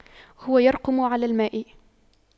هو يرقم على الماء